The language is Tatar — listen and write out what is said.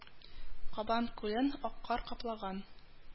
Кабан күлен ак кар каплаган